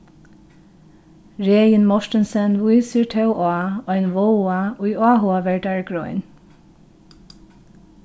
regin mortensen vísir tó á ein vága í áhugaverdari grein